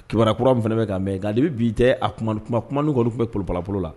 Kibaruya kura min fɛnɛ be mɛ nka depuis ni bi tɛɛ a kumalu kuma kumanun kɔni tun be polopalapolo la